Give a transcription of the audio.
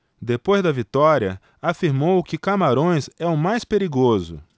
depois da vitória afirmou que camarões é o mais perigoso